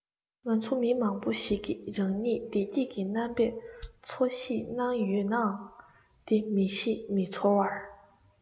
ང ཚོ མི མང པོ ཞིག གིས རང ཉིད བདེ སྐྱིད ཀྱི རྣམ པས འཚོ གཞེས གནང ཡོད ནའང དེ མི ཤེས མི ཚོར བར